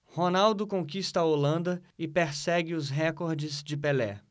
ronaldo conquista a holanda e persegue os recordes de pelé